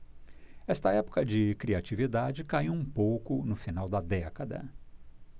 esta época de criatividade caiu um pouco no final da década